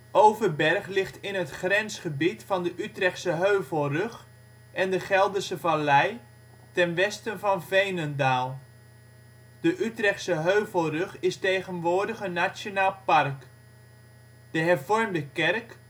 Overberg ligt in het grensgebied van de Utrechtse Heuvelrug en de Gelderse Vallei, ten westen van Veenendaal. De Utrechtse Heuvelrug is tegenwoordig een nationaal park. De Hervormde kerk